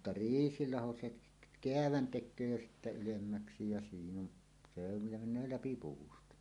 mutta riisilaho se - käävän tekee jo ylemmäksi ja siinä on se on ja menee läpi puusta